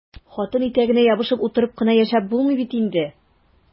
Хатын итәгенә ябышып утырып кына яшәп булмый бит инде!